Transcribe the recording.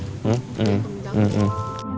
hử ừ ừ